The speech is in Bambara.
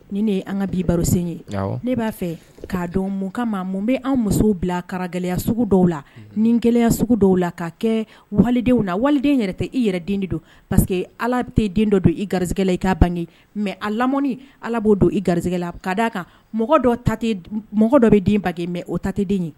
Ni ne ye an ka bi barosen ye ne b'a fɛ k'a dɔn mun ka ma mun bɛ an musow bila karaya sugu dɔw la ni gɛlɛyaya sugu dɔw la ka kɛ walidenw na waliden yɛrɛ tɛ i yɛrɛ den de don pa parce que ala bɛ tɛ den dɔ don i garigɛla i ka ban mɛ a lam ala b'o don i garigɛla ka d'a kan mɔgɔ mɔgɔ dɔ bɛ den ba mɛ o ta tɛ den ye